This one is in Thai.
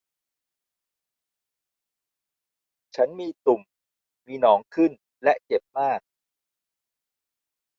ฉันมีตุ่มมีหนองขึ้นและเจ็บมาก